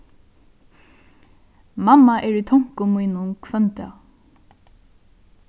mamma er í tonkum mínum hvønn dag